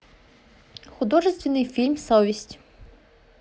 художественный фильм совесть